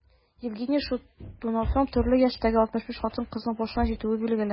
Евгений Шутовның төрле яшьтәге 65 хатын-кызның башына җитүе билгеле.